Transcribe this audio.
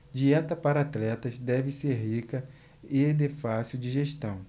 dieta para atletas deve ser rica e de fácil digestão